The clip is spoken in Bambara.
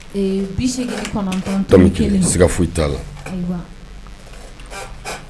Se ka foyi t'a la